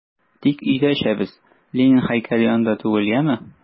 Тик өйгә кереп эчәбез, Ленин һәйкәле янында түгел, яме!